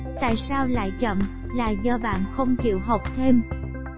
tại sao lại chậm là do bạn không chịu học thêm